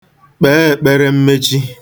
Kpee ekpere mmechi.